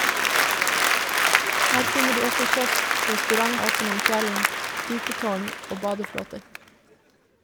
Her finner du også kiosk, restaurant (åpen om kvelden), stupetårn og badeflåter.